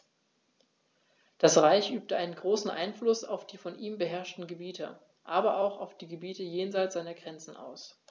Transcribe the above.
Das Reich übte einen großen Einfluss auf die von ihm beherrschten Gebiete, aber auch auf die Gebiete jenseits seiner Grenzen aus.